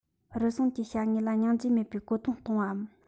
རུལ སུངས ཀྱི བྱ དངོས ལ སྙིང རྗེ མེད པའི རྒོལ རྡུང གཏོང བའམ